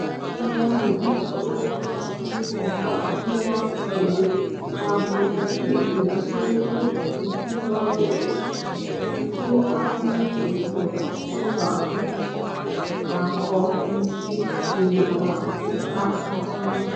Ntụmanya ndị ahụ ikekwe kachasị ugbu a n’ime afọ iri, ka Bolivia na eche mkpebi nke ụlọ ọrụ ofesi nke akwụmọtọ na Ọktoba 1 ka afọ ise nrụrịta ụka gachara.